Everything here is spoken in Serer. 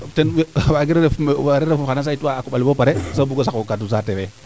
ten waagiro ref oxa na saytuwa a koɓale bo pare soo bugo saqo kadu saate fee